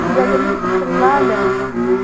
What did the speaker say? Йөрәгемне тотып тыңла әле.